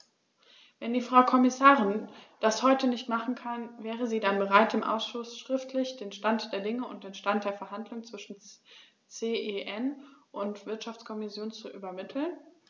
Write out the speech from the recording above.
Wenn die Frau Kommissarin das heute nicht machen kann, wäre sie dann bereit, dem Ausschuss schriftlich den Stand der Dinge und den Stand der Verhandlungen zwischen CEN und Wirtschaftskommission zu übermitteln?